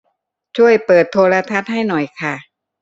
ช่วยเปิดโทรทัศน์ให้หน่อยค่ะ